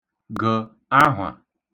gə̣̀ ahwà